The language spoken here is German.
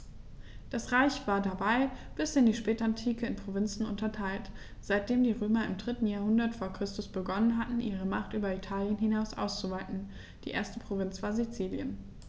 Das Reich war dabei bis in die Spätantike in Provinzen unterteilt, seitdem die Römer im 3. Jahrhundert vor Christus begonnen hatten, ihre Macht über Italien hinaus auszuweiten (die erste Provinz war Sizilien).